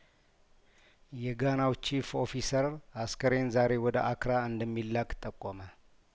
የጋናዊው ቺፍ ኦፊሰር አስክሬን ዛሬ ወደ አክራ እንደሚላክ ጠቆመ